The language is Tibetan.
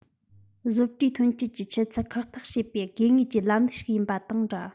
བཟོ གྲྭའི ཐོན སྐྱེད ཀྱི ཆུ ཚད ཁག ཐེག བྱེད པའི དགོས ངེས ཀྱི ལམ ལུགས ཤིག ཡིན པ དང འདྲ